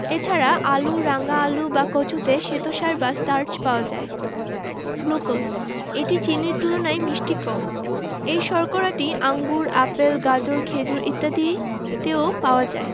এছাড়া আলু রাঙা আলু বা কচুতেও শ্বেতসার বা স্টার্চ পাওয়া যায় গ্লুকোজ এটি চিনির তুলনায় মিষ্টি কম এই শর্করাটি আঙুর আপেল গাজর খেজুর ইত্যাদিতে পাওয়া যায়